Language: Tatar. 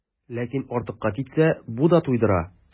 Ләкин артыкка китсә, бу да туйдыра.